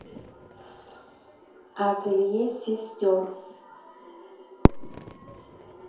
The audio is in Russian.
ателье сестер